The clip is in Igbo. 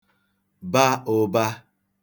ba ụ̄bā